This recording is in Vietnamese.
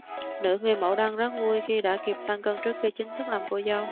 nữ người mẫu đang rất vui khi đã kịp tăng cân trước khi chính thức làm cô dâu